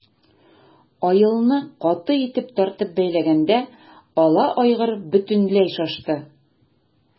Аелны каты тартып бәйләгәндә ала айгыр бөтенләй шашты.